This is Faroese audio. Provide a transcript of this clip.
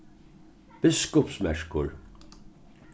biskupsmerkur